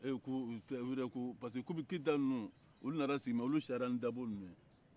u yɛrɛ ko parce que komi keyita ninnu olu nana sigi mais olu nana caya ni dabo ninnu ye